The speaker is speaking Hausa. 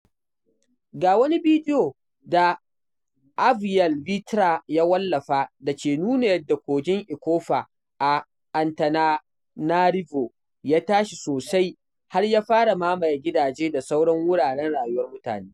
Ga wani bidiyo da avyalvitra ya wallafa da ke nuna yadda kogin Ikopa a Antananarivo ya tashi sosai har ya fara mamaye gidaje da sauran wuraren rayuwar mutane.